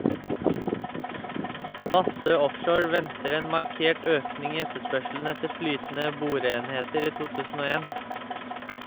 Bassøe Offshore venter en markert økning i etterspørselen etter flytende boreenheter i 2001.